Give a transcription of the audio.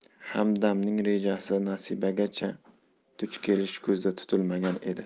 hamdamning rejasida nasibaga duch kelish ko'zda tutilmagan edi